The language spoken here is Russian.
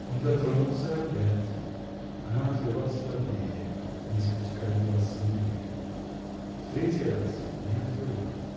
Он дотронулся опять, она отвела слабее, не спуская глаз с Невы. В третий раз не отвела.